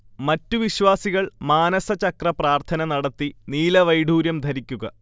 മറ്റു വിശ്വാസികൾ മാനസചക്ര പ്രാർത്ഥന നടത്തി നീലവൈഢൂര്യം ധരിക്കുക